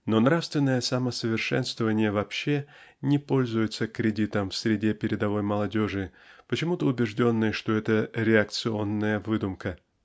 Но нравственное самосовершенствование вообще не пользуется кредитом в среде передовой молодежи почему-то убежденной что это -- "реакционная выдумка".